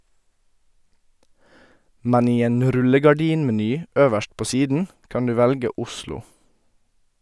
Men i en rullegardinmeny øverst på siden kan du velge Oslo.